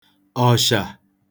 ọ̀shà